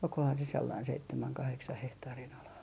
olikohan se sellainen seitsemän kahdeksan hehtaarin ala